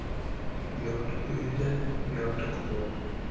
yot uyida yotiq bo'l